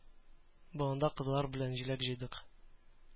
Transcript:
Болында кызлар белән җиләк җыйдык.